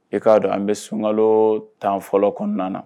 E k'a dɔn an bɛ sunkalo tan fɔlɔ kɔnɔna na